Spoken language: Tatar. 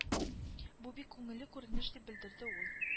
Бу бик күңелле күренеш дип белдерде ул